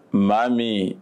Maa min